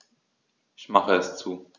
Ich mache es zu.